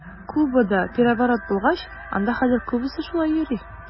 Кубада переворот булгач, анда хәзер күбесе шулай йөри.